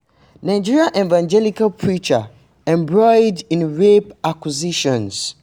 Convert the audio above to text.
Nigerian Evangelical preacher embroiled in rape accusations